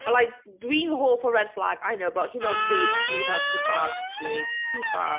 A like, dwi'n hoff o red flag, I know but hyd yn oed fi, fyswn i fel too far, actually, too far.